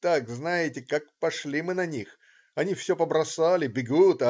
Так, знаете, как пошли мы на них,- они все побросали, бегут!